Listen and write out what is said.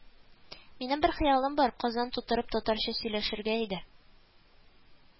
Минем бер хыялым бар Казан тутырып татарча сөйләшергә иде